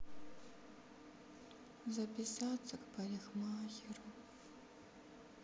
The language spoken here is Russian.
записаться к парикмахеру